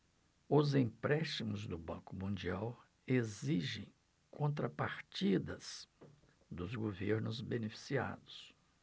os empréstimos do banco mundial exigem contrapartidas dos governos beneficiados